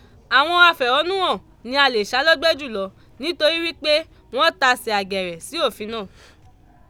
Àwọn afẹ̀hónúhàn ni a lè ṣá lọ́gbẹ́ jù lọ nítorí wí pé wọ́n tasẹ̀ àgẹ̀rẹ̀ sí òfin náà.